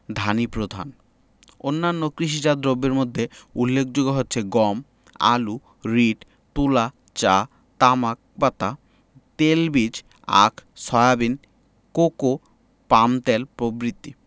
ধানই প্রধান অন্যান্য কৃষিজাত দ্রব্যের মধ্যে উল্লেখযোগ্য হচ্ছে গম আলু রীট তুলা চা তামাক পাতা তেলবীজ আখ সয়াবিন কোকো পামতেল প্রভৃতি